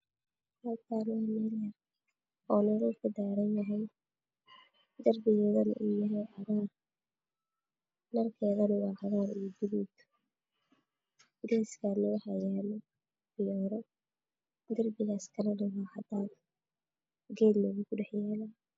Halkan waxaa iga muuqato laydhka is baxaayo geedo waxaa yaalo fadhi kuraas man